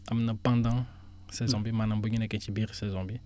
am na pendant saison bi maanaam bu ñu nekkee ci biir saison bi